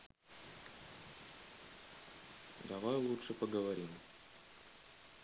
давай лучше поговорим